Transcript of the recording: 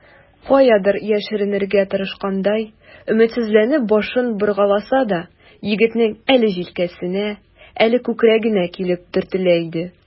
Каядыр яшеренергә тырышкандай, өметсезләнеп башын боргаласа да, егетнең әле җилкәсенә, әле күкрәгенә килеп төртелә иде.